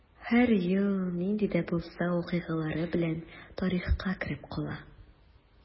Һәр ел нинди дә булса вакыйгалары белән тарихка кереп кала.